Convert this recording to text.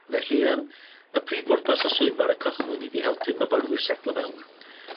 Felly yym y prif bwrpas y swyddfa ar y cychwyn i 'di helpu myfyrwyr setlo mewn.